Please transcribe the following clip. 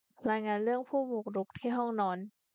รายงานเรื่องผู้บุกรุกที่ห้องนอน